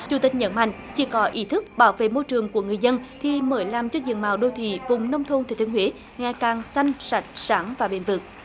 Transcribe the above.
chủ tịch nhấn mạnh chỉ có ý thức bảo vệ môi trường của người dân thì mới làm cho diện mạo đô thị vùng nông thôn thừa thiên huế ngày càng xanh sạch sáng và bền vững